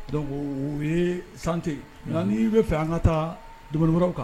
Donc o ye sante nka bɛ fɛ an ka taa dumunibaraw kan